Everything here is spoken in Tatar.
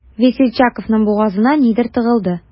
Весельчаковның бугазына нидер тыгылды.